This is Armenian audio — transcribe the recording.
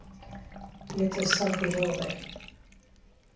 Եթե սա գրող է։